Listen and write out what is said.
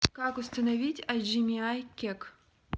как установить hdmi кек